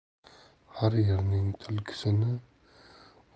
har yerning tulkisini